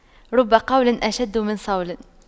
رب قول أشد من صول